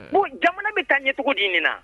Bon jamana bɛ taa ɲɛcogo di nin na?